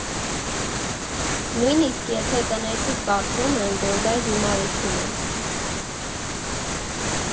Նույնիսկ եթե տնեցիք կարծում են, որ դա հիմարություն է։